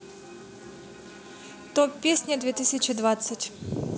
топ песни две тысячи двадцать